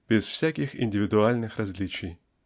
без всяких индивидуальных различий.